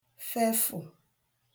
fefụ̀